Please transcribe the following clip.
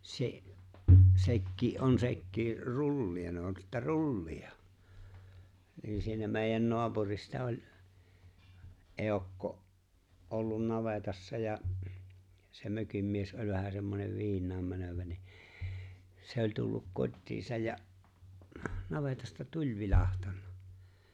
se sekin on sekin trullia ne on sitten trullia niin ne siinä meidän naapurista oli eukko ollut navetassa ja se mökin mies oli vähän semmoinen viinaan menevä niin se oli tullut kotiinsa ja navetasta tuli vilahtanut